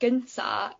gynta